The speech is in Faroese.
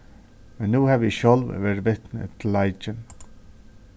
men nú havi eg sjálv verið vitni til leikin